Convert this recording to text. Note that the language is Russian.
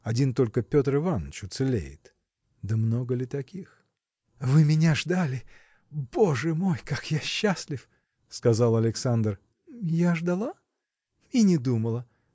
один только Петр Иваныч уцелеет: да много ли таких? – Вы меня ждали! Боже мой, как я счастлив! – сказал Александр. – Я ждала? и не думала!